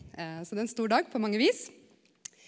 så det er en stor dag på mange vis .